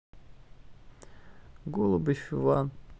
голубев иван